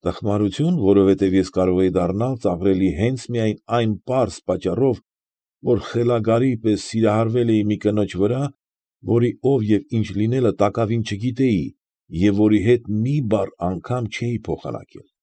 Տխմարություն, որովհետև ես կարող էի դառնալ ծաղրելի հենց միայն, այն պարզ պատճառով, որ խելագարի պես սիրահարվել էի մի կնոջ վրա, որի ով և ինչ լինելը տակավին չգիտեի և որի հետ մի բառ անգամ չէի փոխանակել։